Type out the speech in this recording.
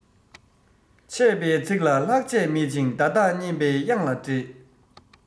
འཆད པའི ཚིག ལ ལྷག ཆད མེད ཅིང བརྡ དག སྙན པའི དབྱངས ལ འདྲེས